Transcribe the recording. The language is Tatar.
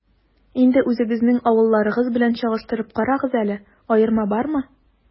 Инде үзегезнең авылларыгыз белән чагыштырып карагыз әле, аерма бармы?